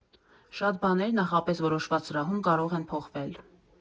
Շատ բաներ նախապես որոշված սրահում կարող են փոխվել։